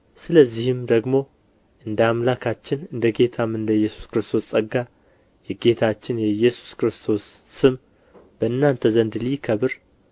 ስለዚህም ደግሞ እንደ አምላካችን እንደ ጌታም እንደ ኢየሱስ ክርስቶስ ጸጋ የጌታችን የኢየሱስ ክርስቶስ ስም በእናንተ ዘንድ ሊከብር